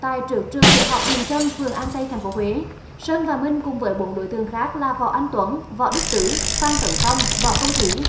tại trước trường tiểu học huyền trân phường an tây thành phố huế sơn và minh cùng với bốn đối tượng khác là võ anh tuấn võ đức tứ phan tấn phong võ công quý